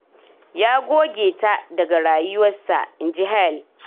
"Ya goge ta daga rayuwarsa," in ji Hale.